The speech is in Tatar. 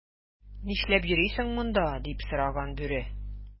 "нишләп йөрисең монда,” - дип сораган бүре.